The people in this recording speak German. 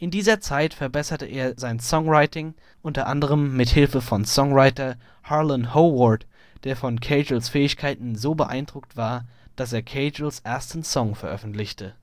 dieser zeit verbesserte er sein Songwriting, unter anderem mit Hilfe von Songwriter Harlan Howard, der von Cagles Fähigkeiten so beeindruckt war, dass er Cagles ersten Song veröffentlichte